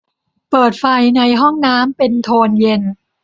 เปิดไฟในห้องน้ำเป็นโทนเย็น